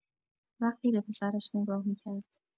وقتی به پسرش نگاه می‌کرد.